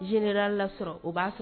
Zera lasɔrɔ o b'a sɔrɔ